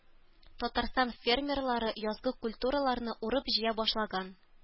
Татарстан фермерлары язгы культураларны урып-җыя башлаган.